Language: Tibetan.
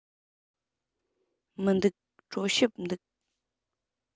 མི འདུག གྲོ ཞིབ འདུག